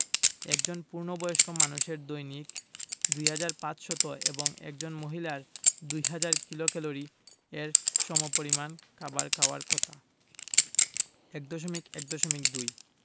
একজন পূর্ণবয়স্ক মানুষের দৈনিক ২৫০০ এবং একজন মহিলার ২০০০ কিলোক্যালরি এর সমপরিমান খাবার খাওয়ার কথা ১.১.২